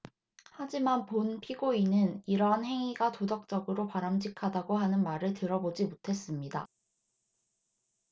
하지만 본 피고인은 이러한 행위가 도덕적으로 바람직하다고 하는 말을 들어보지 못했습니다